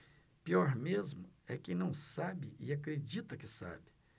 pior mesmo é quem não sabe e acredita que sabe